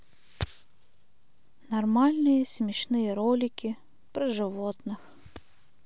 нормальные смешные ролики про животных